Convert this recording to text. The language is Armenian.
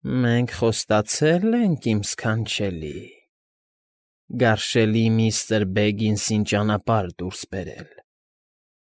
Մենք խոս֊ս֊ստացե՞լ ենք, իմ ս֊ս֊սքանչելի, գարշ֊շ֊շելի միս֊ս֊ստր Բեգինս֊սին ճանապահր դուրս֊ս֊ս բերել։